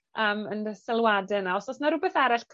am yn y sylwade yna. Os o's 'na rwbeth arall,